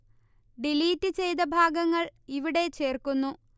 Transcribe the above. delete ചെയ്ത ഭാഗങ്ങൾ ഇവിടെ ചേർക്കുന്നു